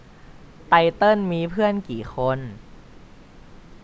ไตเติ้ลมีเพื่อนกี่คน